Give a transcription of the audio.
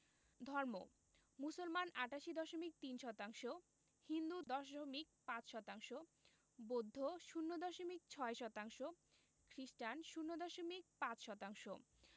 ধর্ম মুসলমান ৮৮দশমিক ৩ শতাংশ হিন্দু ১০দশমিক ৫ শতাংশ বৌদ্ধ ০ দশমিক ৬ শতাংশ খ্রিস্টান ০দশমিক ৫ শতাংশ